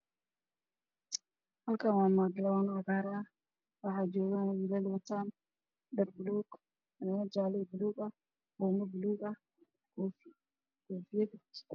Halkaan waa garoon midabkiisu uu yahay cagaar waxaa joogo wiilal wataan dhar buluug, fanaanad jaale iyo buluug ah, buume buluug ah iyo koofiyad.